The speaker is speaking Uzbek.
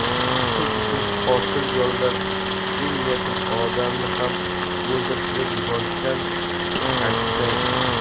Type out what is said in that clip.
pul uchun qotil yollab eng yaqin odamini ham o'ldirtirib yuborishdan qaytishmaydi